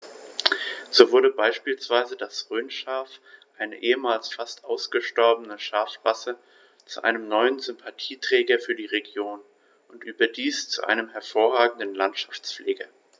So wurde beispielsweise das Rhönschaf, eine ehemals fast ausgestorbene Schafrasse, zu einem neuen Sympathieträger für die Region – und überdies zu einem hervorragenden Landschaftspfleger.